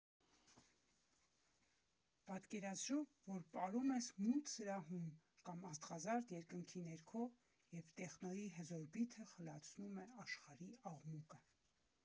Պատկերացրու, որ պարում ես մութ սրահում կամ աստղազարդ երկնքի ներքո և տեխնոյի հզոր բիթը խլացնում է աշխարհի աղմուկը։